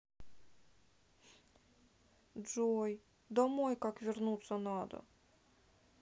джой домой как вернуться надо